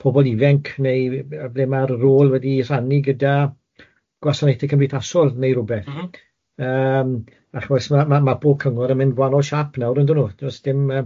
pobol ifenc neu ble ma'r rôl wedi i rhannu gyda gwasanaethau cymdeithasol neu rwbeth... M-hm. ...ym a chibod os ma' ma' ma' pob cyngor yn mynd gwahanol siâp nawr yndyn nhw, does dim yym